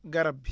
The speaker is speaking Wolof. garab bi